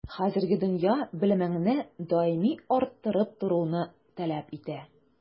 Хәзерге дөнья белемеңне даими арттырып торуны таләп итә.